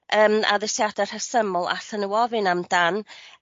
yym addasiada rhesymol allan n'w ofyn amdan.